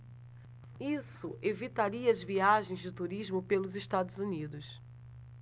isso evitaria as viagens de turismo pelos estados unidos